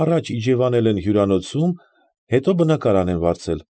Առաջ իջևանել են հյուրանոցում, հետո բնակարան են վարձել։